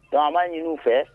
Don ɲini fɛ